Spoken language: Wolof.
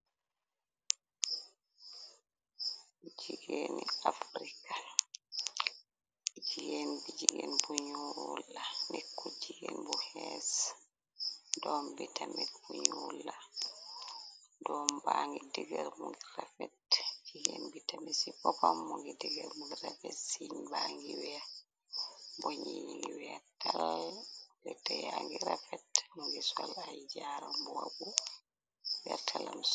Bu jigeeni afrika, ci yenn bi jigeen buñu la, nekku jigeen bu xees, doom bi tamet buñu la, doom ba ngi digër bu ngi rafet, ci yenn bi tame ci poppam mu ngi digër mu ngi rafet, siñ ba ngi weex boñi i ngi wee taralle, te ya ngi rafet mu ngi sol ay jaarambowa bu wertalams.